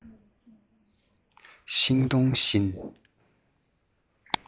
ཤིང སྡོང བཞིན